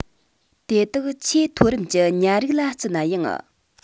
དེ དག ཆེས མཐོ རིམ གྱི ཉ རིགས ལ བརྩི ན ཡང